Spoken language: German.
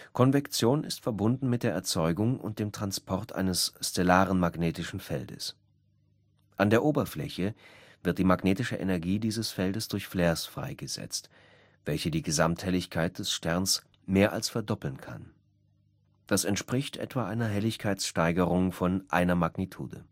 Konvektion ist verbunden mit der Erzeugung und dem Transport eines stellaren magnetischen Feldes. An der Oberfläche wird die magnetische Energie dieses Feldes durch Flares freigesetzt, welche die Gesamthelligkeit des Sterns mehr als verdoppeln kann. Das entspricht etwa einer Helligkeitssteigerung von einer Magnitude